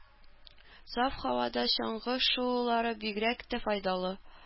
Саф һавада чаңгы шуулары бигрәк тә файдалы.